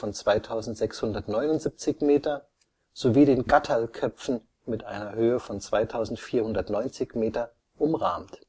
2679 m) sowie den Gatterlköpfen (2490 m) umrahmt